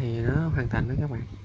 thì hoàn thành cái mặt